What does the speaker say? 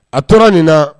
A tora ɲin na